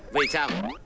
vì sao